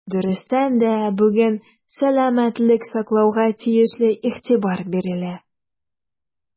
Дөрестән дә, бүген сәламәтлек саклауга тиешле игътибар бирелә.